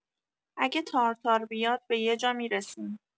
اگه تارتار بیاد به یجا می‌رسیم